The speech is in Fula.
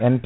MP